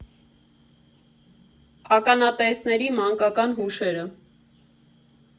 Ականատեսների մանկական հուշերը։